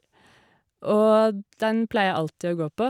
Og den pleier jeg alltid å gå på.